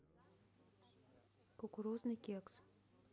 кукурузный кекс